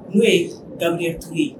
N'o ye danbe tu ye